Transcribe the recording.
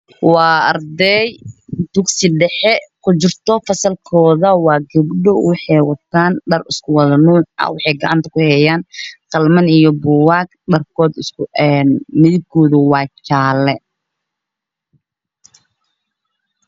Waa ardo dugsi dhexe ah gabdho waxay wataa dhar isku mid ah midabkoodu waa jaalo